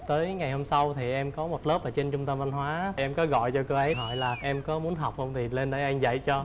tới ngày hôm sau thì em có một lớp ở trên trung tâm văn hóa em có gọi cho cô ấy hỏi là em có muốn học không thì lên đây anh dạy cho